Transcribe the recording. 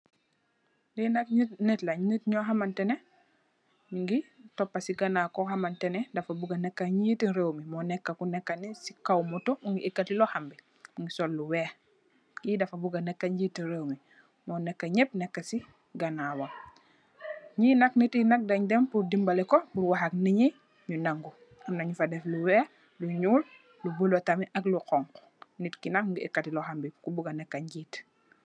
Lii nak nit len nittyo hamantaneh nyingi topa si ganaw ko hamantaneh dafa buga neka njitti rewbi moneka kuneka si kaw moto mungi ekatti lohombi mungi sol lu wekh kii dafa buga neka njitti rewbi mo neka nyep neka si ganawam nyinak nitt Yi nak deny dem purr dimbaleko purr wahal nitnyi nyi nangou Amna nyu deff lu wekh, lu nyul lu bula tamit ak lu xonxu mungi ekatti lohombi purr buga neka njitt.